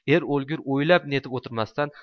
er o'lgur o'ylab netib o'tirmasdan